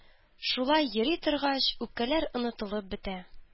Шулай йөри торгач үпкәләр онытылып бетә.